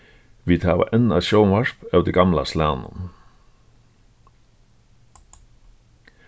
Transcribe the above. vit hava enn eitt sjónvarp av tí gamla slagnum